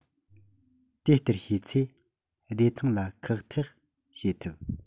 དེ ལྟར བྱས ཚེ བདེ ཐང ལ ཁག ཐེག བྱེད ཐུབ